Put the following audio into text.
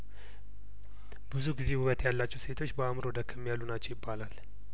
ብዙ ጊዜ ውበት ያላቸው ሴቶች በአእምሮ ደከም ያሉ ናቸው ይባላል